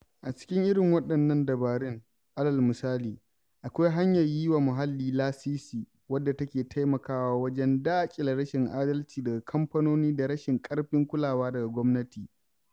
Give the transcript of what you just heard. [A cikin irin waɗannan dabarun], alal misali, akwai hanyar yi wa muhalli lasisi, [wadda take taimakawa wajen daƙile] rashin adalci daga kamfanoni da rashin ƙarfin kulawa daga gwamnati.